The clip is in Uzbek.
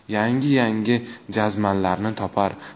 yangi yangi jazmanlarni topar